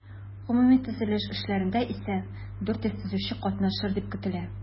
Гомуми төзелеш эшләрендә исә 400 төзүче катнашыр дип көтелә.